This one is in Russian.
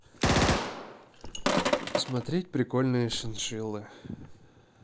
смотреть прикольные шиншиллы